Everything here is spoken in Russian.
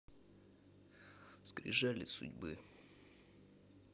скрижали судьбы